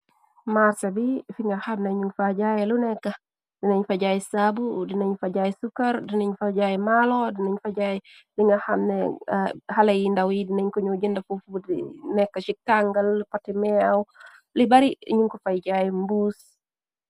Marse bi fi nga xam na ñu fay jaay lu nekk dinañ fajaay saabu. Dinañ fa jaay sukar dinañ fa jaay maalo. Dinañ fajaay li nga xamne xale yi ndàw yi dinañ ko ñoo jënd fufbi nekk ci kàngal poti meew li bari ñu ko fay jaay mbuus.